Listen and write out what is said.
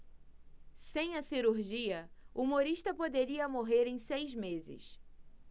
sem a cirurgia humorista poderia morrer em seis meses